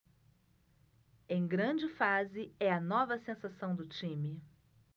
em grande fase é a nova sensação do time